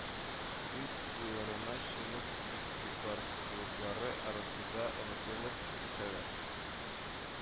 Үз уйларына чумып, игътибарсызлыклары арасында онытылып китәләр